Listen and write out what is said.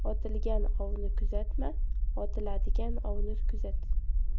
otilgan ovni kuzatma otiladigan ovni kuzat